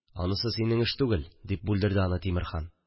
– анысы синең эш түгел, – дип бүлдерде аны тимерхан